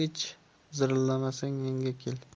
ich zirillamasang menga kel